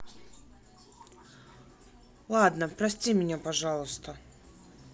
ладно прости меня пожалуйста